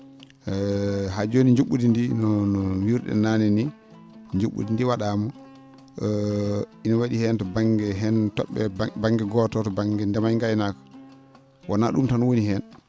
haa jooni ju??udi ndii no mbiru?en naane nii ju??udi ndii wa?aama ina wa?i heen to ba?nge heen to??e ba?nge gooto oo to ba?nge ndema e ngaynaaka wonaa ?um tan woni heen